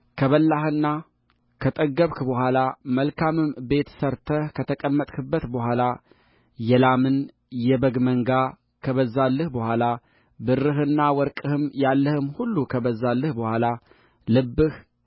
ከበላህና ከጠገብህ በኋላ መልካምም ቤት ሠርተህ ከተቀመጥህበት በኋላየላምና የበግ መንጋ ከበዛልህ በኋላ ብርህና ወርቅህም ያለህም ሁሉ ከበዛልህ በኋላ ልብህ